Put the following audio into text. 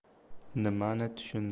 nimani tushundim